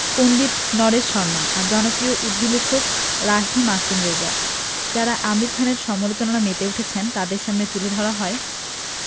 পণ্ডিত নরেন্দ্র শর্মা আর জনপ্রিয় উর্দু লেখক রাহি মাসুম রেজা যাঁরা আমির খানের সমালোচনায় মেতে উঠেছেন তাঁদের সামনে তুলে ধরা হয়